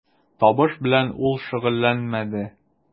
Табыш белән ул шөгыльләнмәде.